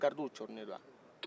gardiw cɔɔrinen don ala